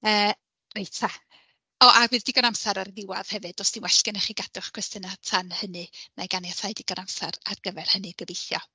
Eee, reit ta. O, a fydd digon amser ar y diwedd hefyd os 'di well gennych chi gadw eich gwestiynau tan hynny, wna i ganiatáu digon amser ar gyfer hynny gobeithio.